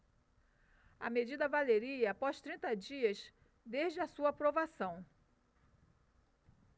a medida valeria após trinta dias desde a sua aprovação